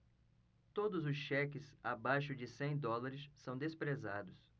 todos os cheques abaixo de cem dólares são desprezados